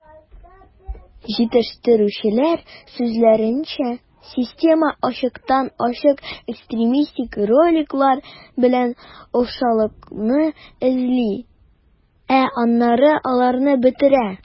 Җитештерүчеләр сүзләренчә, система ачыктан-ачык экстремистик роликлар белән охшашлыкны эзли, ә аннары аларны бетерә.